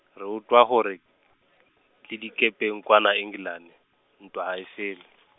re utlwa hore, le dikepeng kwana Engelane, ntwa ha e fele.